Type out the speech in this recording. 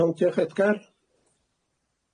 Iawn diolch Edgar.